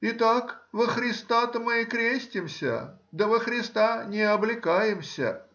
Итак, во Христа-то мы крестимся, да во Христа не облекаемся.